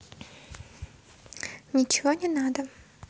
ничего не надо